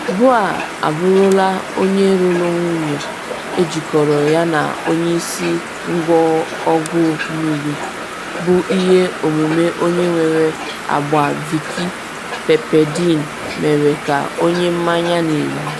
Bough abụrụla onye lụrụ nwunye, ejikọrọ ya na onye isi ngwa ọgụ mmiri, bụ ihe omume onye nwere agba Vicki Pepperdine mere ka onye mmanya na-egbu.